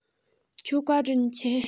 ཁྱོད བཀའ དྲིན ཆེ